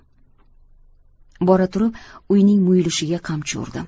bora turib uyning muyulishiga qamchi urdim